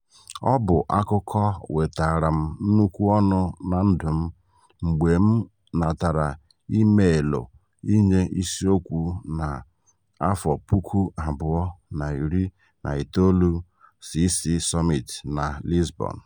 Ọ bụ akụkọ wetara m nnukwu ọṅụ ná ndụ m mgbe m natara imeelụ inye isi okwu na 2019 CC Summit na Lisbon...